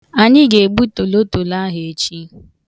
Anyị ga-egbu tolotolo ahụ echi.